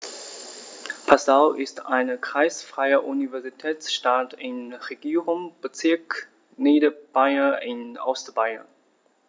Passau ist eine kreisfreie Universitätsstadt im Regierungsbezirk Niederbayern in Ostbayern.